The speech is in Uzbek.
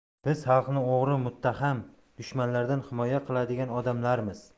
biz xalqni o'g'ri muttaham dushmanlardan himoya qiladigan odamlarmiz